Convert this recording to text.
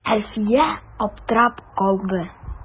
Әлфия аптырап калды.